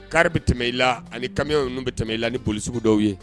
Kariri bɛ tɛmɛe la ani kaw ninnu bɛ tɛmɛe la niolisiw dɔw ye